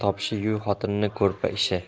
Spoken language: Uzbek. topishi yu xotinning ko'rpa ishi